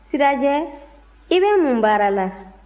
sirajɛ i bɛ mun baara la